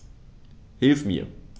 Hilf mir!